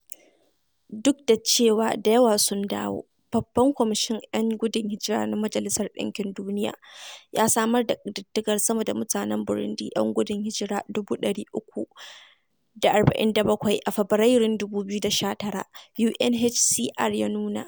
Duk da cewa da yawa sun dawo, babban kwamishin 'yan gudun hijira na Majalisar ɗinkin Duniya ya samar da ƙididdigar sama da mutanen Burundi 'yan gudun hijira 347,000 a Fabarairun 2019 UNHCR ya nuna: